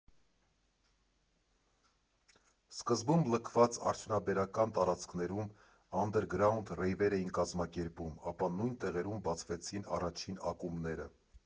Սկզբում լքված արդյունաբերական տարածքներում անդերգրաունդ ռեյվեր էին կազմակերպում, ապա նույն տեղերում բացվեցին առաջին ակումբները։